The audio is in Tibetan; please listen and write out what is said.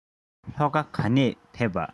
ལྷོ ཁ ག ནས ཕེབས པ